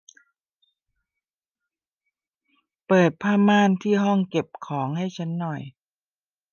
เปิดผ้าม่านที่ห้องเก็บของให้ฉันหน่อย